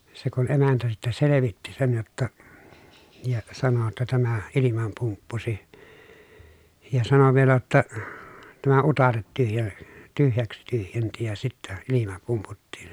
se kun emäntä sitten selvitti sen jotta ja sanoi jotta tämä ilman pumppusi ja sanoi vielä jotta tämä utareet - tyhjäksi tyhjensi ja sitten ilma pumputtiin